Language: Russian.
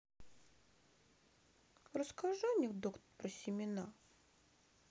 расскажи анекдот про семена